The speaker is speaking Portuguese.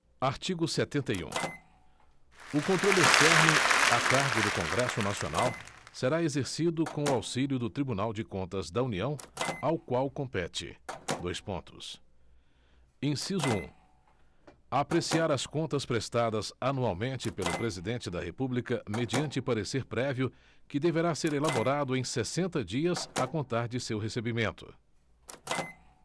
artigo setenta e um o controle externo a cargo do congresso nacional será exercido com o auxílio do tribunal de contas da união ao qual compete dois pontos inciso um apreciar as contas prestadas anualmente pelo presidente da república mediante parecer prévio que deverá ser elaborado em sessenta dias a contar de seu recebimento